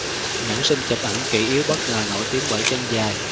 nữ sinh chụp ảnh kỷ yếu bất ngờ nổi tiếng bởi chân dài